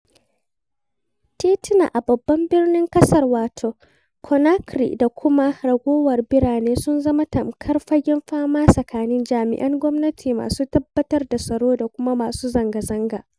Titina a babban birnin ƙasar wato Conakry da kuma ragowar birane sun zama tamkar fagen fama tsakanin jami'an gwamnati masu tabbatar da tsaro da kuma masu zanga-zanga.